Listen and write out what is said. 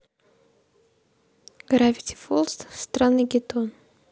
гравити фолз странногеддон